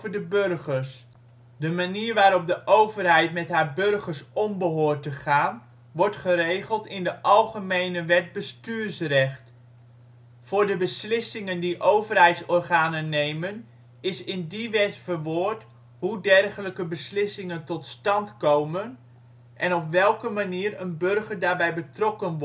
de burgers. De manier waarop de overheid met haar burgers om behoort te gaan wordt geregeld in de Algemene wet bestuursrecht. Voor de beslissingen die overheidsorganen nemen is in die wet verwoord hoe dergelijke beslissingen tot stand komen en op welke manier een burger daarbij betrokken